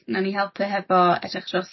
newn ni helpu hefo edrych